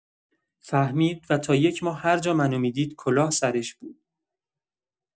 فهمید و تا یک ماه هرجا منو می‌دید کلاه سرش بود.